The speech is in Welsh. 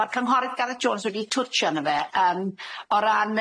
Ma'r cynghorydd Gareth Jones wedi twtsio arno fe yym o ran